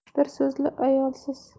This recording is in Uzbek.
bir so'zli ayolsiz